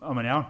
O, ma'n iawn.